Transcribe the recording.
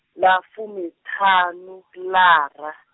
ḽa fumiṱhanu, ḽara.